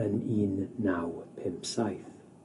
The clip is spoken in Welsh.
yn un naw pump saith.